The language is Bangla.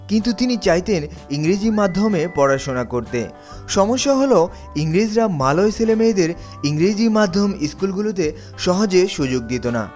কিন্তু তিনি চাইতেন ইংরেজি মাধ্যমে পড়াশোনা করতে সমস্যা হলো ইংরেজরা মালয় ছেলেমেয়েদের ইংরেজি মাধ্যম স্কুলে সহজে সুযোগ দিত না